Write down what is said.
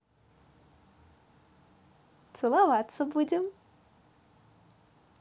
целоваться будем